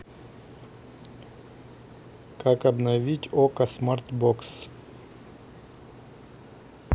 как обновить okko smartbox